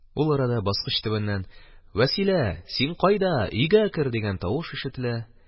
Ул арада баскыч төбеннән «Вәсилә, син кайда? Өйгә кер» дигән тавыш ишетелә